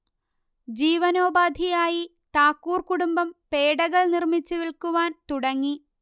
ജീവനോപാധിയായി താക്കൂർ കുടുംബം പേഡകൾ നിർമ്മിച്ച് വിൽക്കുവാൻ തുടങ്ങി